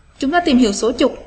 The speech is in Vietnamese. chúng ta tìm hiểu số chục